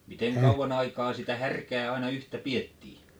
miten kauan aikaa sitä härkää aina yhtä pidettiin